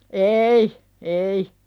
ei ei